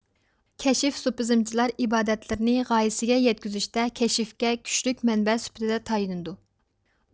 كەشىف سۇپىزمچىلار ئىبادەتلىرىنى غايىسىگە يەتكۈزۈشتە كەشفكە كۈچلۈك مەنبە سۈپىتىدە تايىنىدۇ